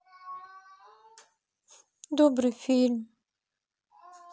добрый фильм